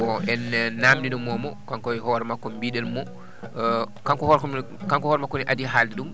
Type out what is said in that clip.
o elle namdinooma mo kanko e hoore makko mbiɗen mo hoore kanko e hoore makko ni adii haalde ɗum